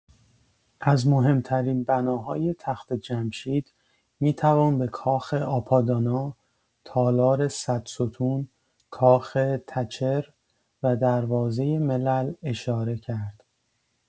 از مهم‌ترین بناهای تخت‌جمشید می‌توان به کاخ آپادانا، تالار صدستون، کاخ تچر و دروازه ملل اشاره کرد.